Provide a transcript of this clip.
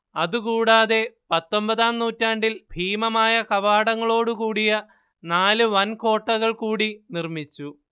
അത് കൂടാതെ പത്തൊമ്പതാം നൂറ്റാണ്ടിൽ ഭീമമായ കവാടങ്ങളോട് കൂടിയ നാല് വൻ കോട്ടകൾ കൂടി നിർമിച്ചു